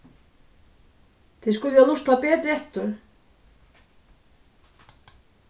tær skulu lurta betur eftir